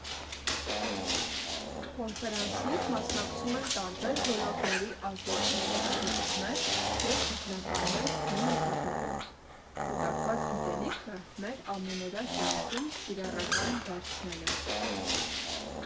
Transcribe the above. Կոնֆերանսին մասնակցում են տարբեր ոլորտների ազդեցիկ հետազոտողներ և գիտնականներ մի նպատակով՝ կուտակված գիտելիքը մեր ամենօրյա կյանքում կիրառական դարձնելը։